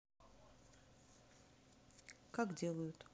как делают